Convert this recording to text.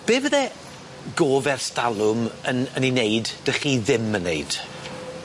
Be' fydde gof e'rs dalwm yn yn 'i neud 'dych chi ddim yn neud?